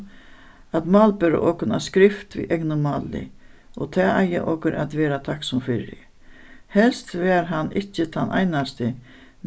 at málbera okum á skrift við egnum máli og tað eiga okur at vera takksom fyri helst var hann ikki tann einasti